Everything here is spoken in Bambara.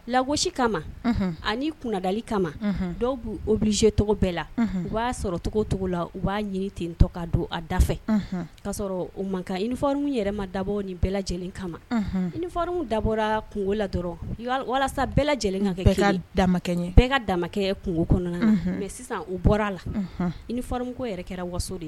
Lagosi kama ani kundali kama dɔw b bɛ obilijɛcogo bɛɛ la u b'a sɔrɔcogocogo la u b'a ɲini ten to ka don a da fɛ'a sɔrɔ o mankanka nifarin yɛrɛ ma dabɔ ni bɛɛ lajɛlen kama nifarin dabɔ kungogo la dɔrɔn walasa bɛɛ lajɛlen ka dakɛ ka damakɛ kungo kɔnɔna mɛ sisan u bɔra a la ifa yɛrɛ kɛra waso de ye